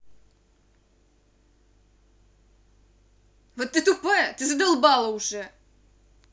вот ты тупая ты заебала уже